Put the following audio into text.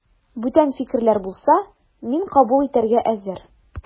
Бүтән фикерләр булса, мин кабул итәргә әзер.